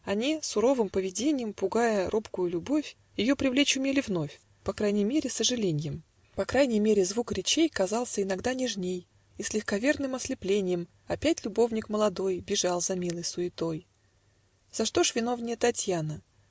Они, суровым повеленьем Пугая робкую любовь, Ее привлечь умели вновь По крайней мере сожаленьем, По крайней мере звук речей Казался иногда нежней, И с легковерным ослепленьем Опять любовник молодой Бежал за милой суетой. За что ж виновнее Татьяна?